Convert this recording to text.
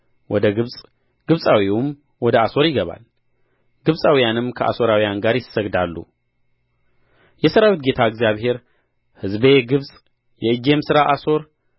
ወደ ግብጽ ግብጻዊውም ወደ አሦር ይገባል ግብጻውያንም ከአሦራውያን ጋር ይሰግዳሉ የሠራዊት ጌታ እግዚአብሔር ሕዝቤ ግብጽ የእጄም ሥራ አሦር